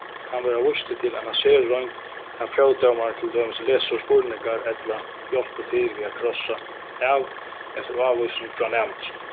kann verða vístur til eina serroynd har próvdómari til dømis lesur spurningar ella hjálpir til við at krossa av eftir ávísing frá næminginum